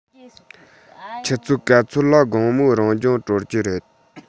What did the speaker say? ཆུ ཚོད ག ཚོད ལ དགོང མོའི རང སྦྱོང གྲོལ གྱི རེད